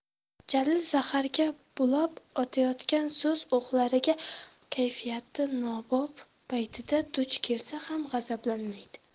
jalil zaharga bulab otayotgan so'z o'qlariga kayfiyati nobop paytida duch kelsa ham g'azablanmaydi